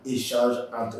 I sa an to